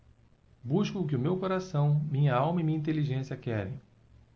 busco o que meu coração minha alma e minha inteligência querem